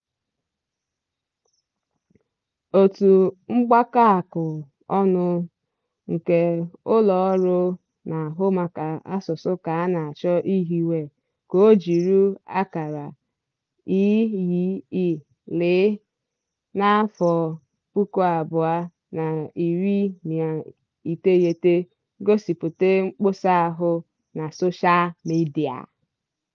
Òtù mgbakọaka ọnụ nke ụloọrụ na-ahụ maka asụsụ ka a na-achọ ihiwe ka o ijiri ákàrà #IYIL2019 gosipụta mkposa ahụ na sosha midia.